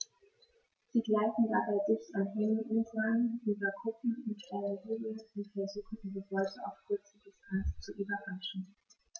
Sie gleiten dabei dicht an Hängen entlang, über Kuppen und kleine Hügel und versuchen ihre Beute auf kurze Distanz zu überraschen.